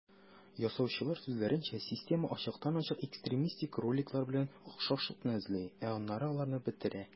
Ясаучылар сүзләренчә, система ачыктан-ачык экстремистик роликлар белән охшашлыкны эзли, ә аннары аларны бетерә.